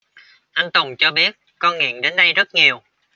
anh tùng cho biết con nghiện đến đây rất nhiều